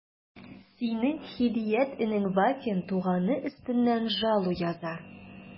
Синең Һидият энең Вафин туганы өстеннән жалу яза...